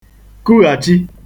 kughàchi